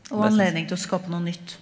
og anledning til å skape noe nytt.